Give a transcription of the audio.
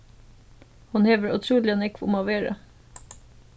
hon hevur ótrúliga nógv um at vera